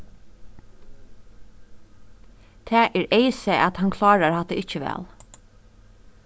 tað er eyðsæð at hann klárar hatta ikki væl